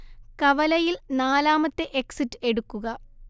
കവലയിൽ നാലാമത്തെ എക്സിറ്റ് എടുക്കുക